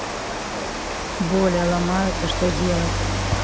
более ломаются что делать